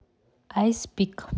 айс пик